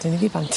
Dyni fi bant.